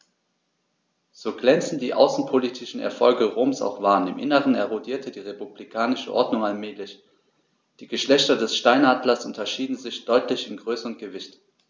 So glänzend die außenpolitischen Erfolge Roms auch waren: Im Inneren erodierte die republikanische Ordnung allmählich. Die Geschlechter des Steinadlers unterscheiden sich deutlich in Größe und Gewicht.